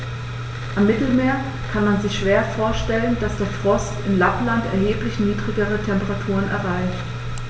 Am Mittelmeer kann man sich schwer vorstellen, dass der Frost in Lappland erheblich niedrigere Temperaturen erreicht.